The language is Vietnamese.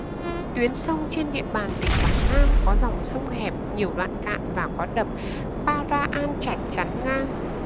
tuyến sông trên địa bàn tỉnh quảng nam có dòng sông hẹp nhiều đoạn cạn và có đập pa ra an trạch chắn ngang